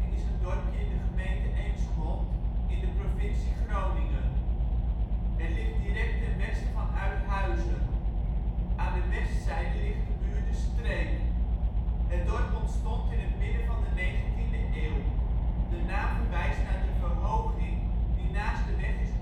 is een dorpje in de gemeente Eemsmond in de provincie Groningen. Het ligt direct ten westen van Uithuizen. Aan de westzijde ligt de buurt De Streek Het dorp ontstond in het midden van de negentiende eeuw. De naam verwijst naar de verhoging die naast de weg is